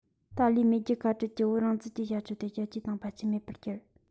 ཏཱ ལའི མེས རྒྱལ ཁ བྲལ གྱི བོད རང བཙན གྱི བྱ སྤྱོད དེ རྒྱལ སྤྱིའི སྟེང ཕལ ཆེར མེད པར གྱུར